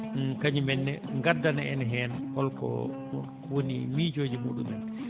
kañumen ne ngaddana en heen holko ko woni miijooji muɗumen